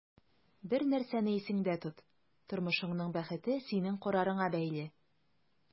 Бер нәрсәне исеңдә тот: тормышыңның бәхете синең карарыңа бәйле.